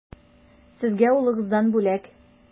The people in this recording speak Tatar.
Сезгә улыгыздан бүләк.